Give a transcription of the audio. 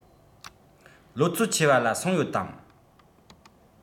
ལོ ཚོད ཆེ བ ལ སོང ཡོད དམ